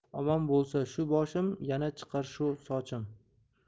omon bo'lsa shu boshim yana chiqar shu sochim